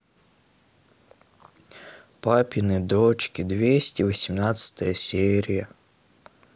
папины дочки двести восемнадцатая серия